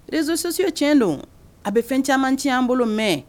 Rezsosiye tiɲɛ don a bɛ fɛn caman ci anan bolo mɛ